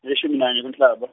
yishumi nanye kuNhlaba.